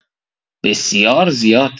بسیار زیاد